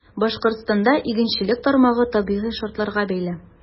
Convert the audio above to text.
Башкортстанда игенчелек тармагы табигый шартларга бәйле.